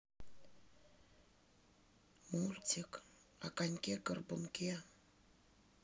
мультик о коньке горбунке